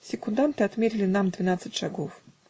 Секунданты отмерили нам двенадцать шагов.